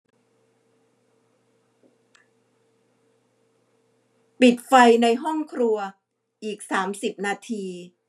ปิดไฟในห้องครัวอีกสามสิบนาที